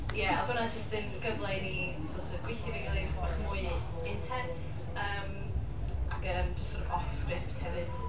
Ia, oedd hwnna jyst yn gyfle i ni sort of gweithio efo'n gilydd bach mwy intense yym ac yym jyst sort of off-script hefyd.